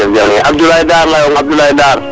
jeregen jef Abdoulaye Dar layong Abdoulaye Dar